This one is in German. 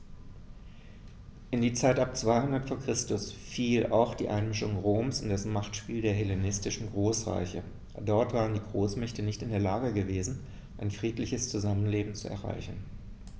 In die Zeit ab 200 v. Chr. fiel auch die Einmischung Roms in das Machtspiel der hellenistischen Großreiche: Dort waren die Großmächte nicht in der Lage gewesen, ein friedliches Zusammenleben zu erreichen.